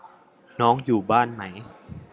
น้องอยู่บ้านไหม